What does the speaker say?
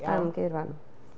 Am Gaerwen.